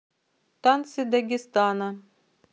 танцы дагестана